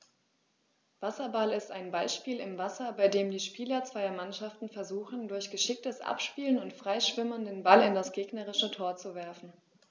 Wasserball ist ein Ballspiel im Wasser, bei dem die Spieler zweier Mannschaften versuchen, durch geschicktes Abspielen und Freischwimmen den Ball in das gegnerische Tor zu werfen.